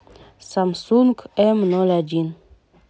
самсунг м ноль один